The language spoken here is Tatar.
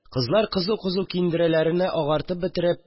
Кызлар кызу-кызу киндерләрене агартып бетереп